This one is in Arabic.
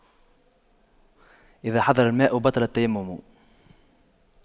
إذا حضر الماء بطل التيمم